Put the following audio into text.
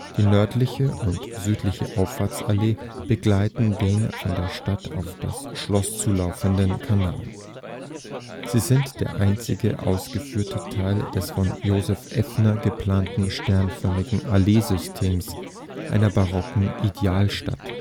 Die nördliche und die südliche Auffahrtsallee begleiten den von der Stadt auf das Schloss zulaufenden Kanal. Sie sind der einzige ausgeführte Teil eines von Joseph Effner geplanten sternförmigen Alleensystems einer barocken Idealstadt